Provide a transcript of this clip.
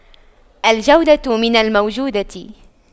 الجودة من الموجودة